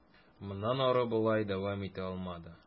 Моннан ары болай дәвам итә алмады.